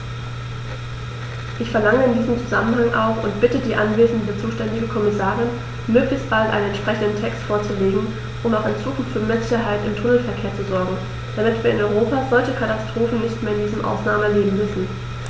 Ich verlange in diesem Zusammenhang auch und bitte die anwesende zuständige Kommissarin, möglichst bald einen entsprechenden Text vorzulegen, um auch in Zukunft für mehr Sicherheit im Tunnelverkehr zu sorgen, damit wir in Europa solche Katastrophen nicht mehr in diesem Ausmaß erleben müssen!